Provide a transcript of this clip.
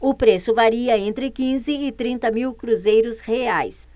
o preço varia entre quinze e trinta mil cruzeiros reais